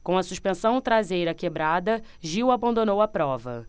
com a suspensão traseira quebrada gil abandonou a prova